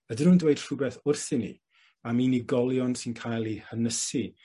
Ydyn nw'n dweud rhwbeth wrthyn i ni am unigolion sy'n cael 'u hynysu